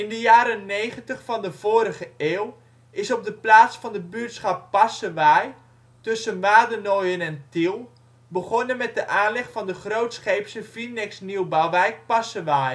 jaren negentig van de vorige eeuw is op de plaats van de buurtschap Passewaaij, tussen Wadenoijen en Tiel, begonnen met de aanleg van de grootscheepse Vinex-nieuwbouwwijk Passewaaij